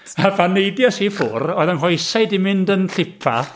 A phan neidiais i ffwrdd, oedd 'y nghoesau i di mynd yn llipa.